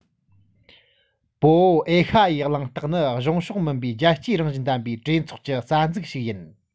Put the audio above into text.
པོ ཨའོ ཨེ ཤ ཡའི གླེང སྟེགས ནི གཞུང ཕྱོགས མིན པའི རྒྱལ སྤྱིའི རང བཞིན ལྡན པའི གྲོས ཚོགས ཀྱི རྩ འཛུགས ཤིག ཡིན